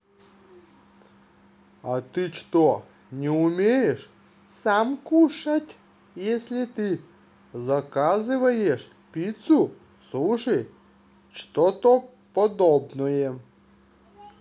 а ты что не умеешь сам кушать если ты заказываешь пиццу суши и что то подобное